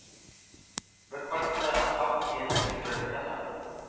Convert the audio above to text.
— бар, кайт та нахак иясенең сурәтен яса